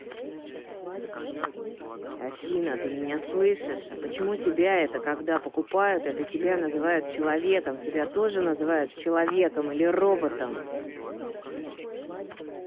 афина ты меня слышишь а почему тебя это когда покупают это тебя называют человеком тебя тоже называют человеком или роботом